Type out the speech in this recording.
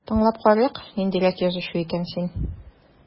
Тыңлап карыйк, ниндирәк язучы икән син...